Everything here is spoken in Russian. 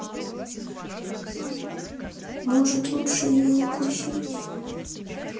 может лучше ее укусить